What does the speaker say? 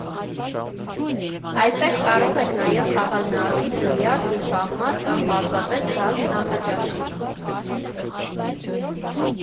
Այստեղ կարող եք նաև խաղալ նարդի, բիլիարդ ու շախմատ կամ պարզապես գալ նախաճաշի.